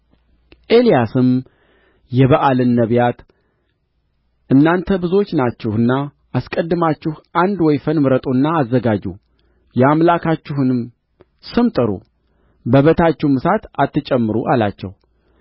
ኤልያስም የበኣልን ነቢያት እናንተ ብዙዎች ናችሁና አስቀድማችሁ አንድ ወይፈን ምረጡና አዘጋጁ የአምላካችሁንም ስም ጥሩ በበታችሁም እሳት አትጨምሩ አላቸው